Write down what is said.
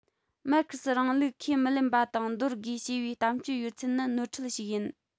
མར ཁེ སིའི རིང ལུགས ཁས མི ལེན པ དང འདོར དགོས ཞེས པའི གཏམ སྤྱོད ཡོད ཚད ནི ནོར འཁྲུལ ཞིག ཡིན